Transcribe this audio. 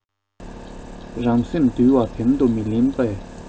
རང སེམས འདུལ བ འབེམ དུ མི ལེན པའི